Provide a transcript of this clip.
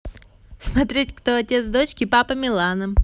смотреть кто отец дочки папа милана